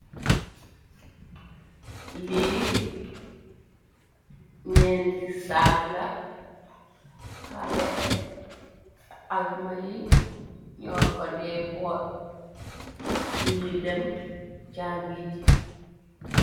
Lii ñenti sakk la xalé ak ma yi ño ko dee boot suñuy dem jàngi ji.